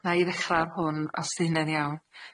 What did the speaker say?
Nâi ddechra ar hwn os 'di hynna'n iawn.